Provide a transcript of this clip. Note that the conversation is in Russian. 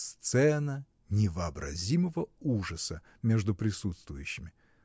Сцена невообразимого ужаса между присутствующими!